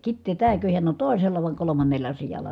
Kitee tämäkö hän on toisella vai kolmannella sijalla